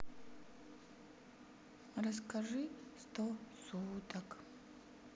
расскажи сто суток